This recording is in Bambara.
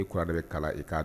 I kɔrɔ bɛ kalan i